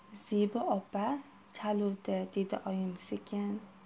zebi opa chaluvdi dedi oyim sekin